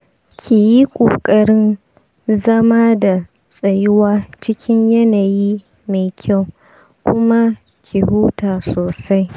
ki yi ƙoƙarin zama da tsayuwa cikin yanayi mai kyau, kuma ki huta sosai.